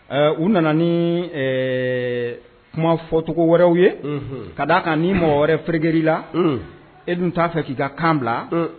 U nana ni kuma fɔcogo wɛrɛw ye ka d'a kan ni mɔgɔ wɛrɛ fri la e dun t'a fɛ k'i ka kan bila